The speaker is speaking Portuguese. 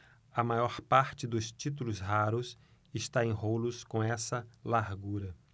a maior parte dos títulos raros está em rolos com essa largura